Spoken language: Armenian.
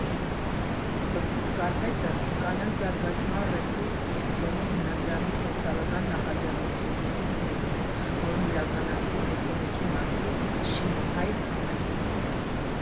«Բրդից կարպետ»֊ը Կանանց զարգացման Ռեսուրս Կենտրոն հիմնադրամի սոցիալական նախաձեռնություններից մեկն է, որն իրականացվում է Սյունիքի մարզի Շինուհայր համայնքում։